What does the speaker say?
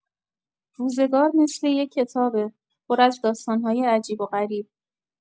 روزگار مثل یه کتابه، پر از داستان‌های عجیب و غریب.